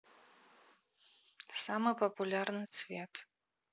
самый популярный цвет